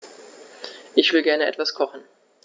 Ich will gerne etwas kochen.